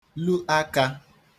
ru aka